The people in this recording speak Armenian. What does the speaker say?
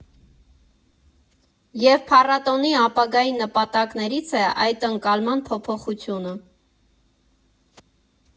Եվ փառատոնի ապագայի նպատակներից է այդ ընկալման փոփոխությունը։